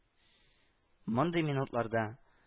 Мондый минутларда